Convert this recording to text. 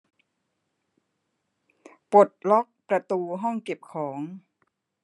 ปลดล็อกประตูห้องเก็บของ